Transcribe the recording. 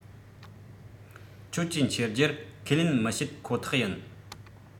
ཁྱོད ཀྱིས ཁྱེར རྒྱུར ཁས ལེན མི བྱེད ཁོ ཐག ཡིན